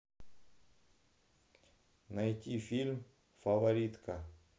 найти фильм фаворитка